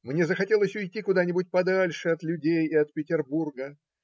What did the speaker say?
Мне захотелось уйти куда-нибудь подальше от людей и от Петербурга